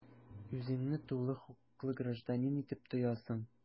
Үзеңне тулы хокуклы гражданин итеп тоясың.